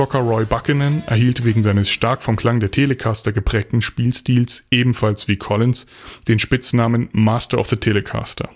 Roy Buchanan erhielt wegen seines stark vom Klang der Telecaster geprägten Spielstils ebenfalls, wie Collins, den Spitznamen „ Master of the Telecaster